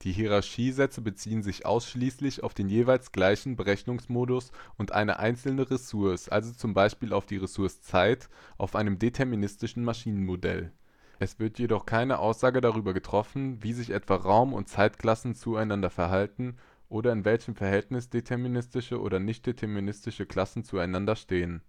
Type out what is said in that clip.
Hierarchiesätze beziehen sich ausschließlich auf den jeweils gleichen Berechnungsmodus und eine einzelne Ressource, also zum Beispiel auf die Ressource Zeit auf einem deterministischen Maschinenmodell. Es wird jedoch keine Aussage darüber getroffen, wie sich etwa Raum - und Zeitklassen zueinander verhalten oder in welchem Verhältnis deterministische oder nichtdeterministische Klassen zueinander stehen